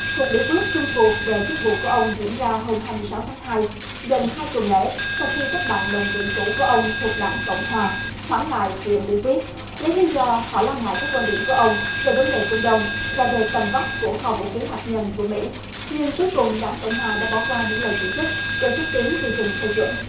cuộc biểu quyết chung cuộc về chức vụ của ông diễn ra hôm hai mươi sáu tháng hai gần hai tuần lễ sau khi các bạn động viện cũ của ông thuộc đảng cộng hòa hoãn lại chuyện biểu quyết lấy lý do họ lo ngại các quan điểm của ông về vấn đề trung đông và về tầm vóc của kho vũ khí hạt nhân của mỹ nhưng cuối cùng đảng cộng hòa đã bỏ qua những lời chỉ trích để xúc tiến quy trình phê chuẩn